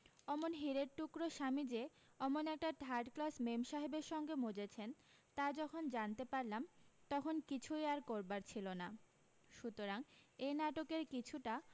অমন হীরের টুকরো স্বামী যে অমন একটা থার্ড ক্লাস মেমসাহেবের সঙ্গে মজেছেন তা যখন জানতে পারলাম তখন কিছুই আর করবার ছিল না সুতরাং এই নাটকের কিছুটা